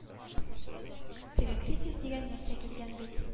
Теге кризис дигән нәрсә килгән бит